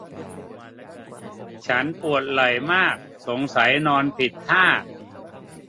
ฉันปวดไหล่มากสงสัยนอนผิดท่า